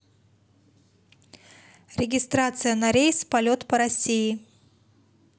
регистрация на рейс полет по россии